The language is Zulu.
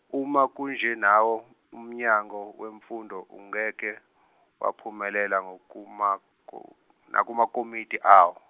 uma kunje nawo uMnyango weMfundo ungeke waphumelela ngokumako- ngakuma komiti awo.